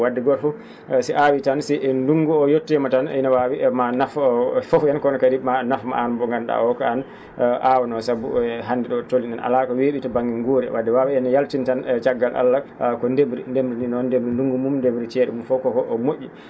wadde gooto fof si aawii tan si ndunngu oo yettiima tan ene waawi e ma naf fof kono kadi ma nafma aan mo nganndu?aa oo ko aan aawnoo sabu hannde ?o tolnii ?en alaa ?o wee?i to ba?nge nguura wadde waawi en yaltin tan caggal Allah ko ndemri ndemri noon ndemri ndunngu mum ndemri cee?u mum fof koko mo??i